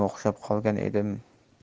o'xshab qolgan edim